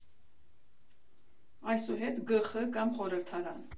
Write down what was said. Այսուհետ՝ ԳԽ կամ խորհրդարան։